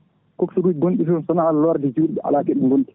coxeur gonɗi toon sowona lorde julɓe ala koɓe gondi